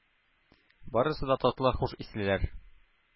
Барсы да татлы хуш ислеләр.